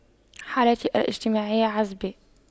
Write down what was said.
حالتي الاجتماعية عزباء